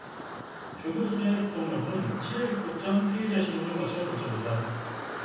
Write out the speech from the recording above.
조 교수의 구속 여부는 칠 일 구속 전 피의자심문을 거쳐 결정된다